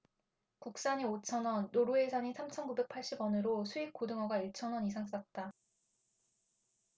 국산이 오 천 원 노르웨이산이 삼 천 구백 팔십 원으로 수입 고등어가 일 천 원 이상 쌌다